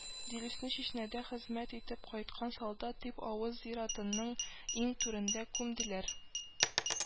Дилүсне, Чечняда хезмәт итеп кайткан солдат дип, авыл зиратының иң түренә күмделәр